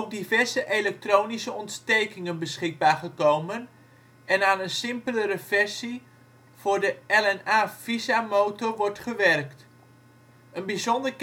diverse elektronische ontstekingen beschikbaar gekomen en aan een simpelere versie voor de LNA/VISA-motor wordt gewerkt. Een bijzonder